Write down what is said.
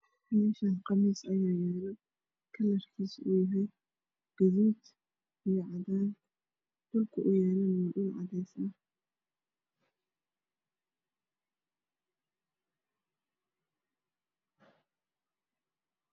Meshan qamiis ayayalo kalarkis oow yahay gaduud io cadan dhulka oow yalo waa dhul cades ah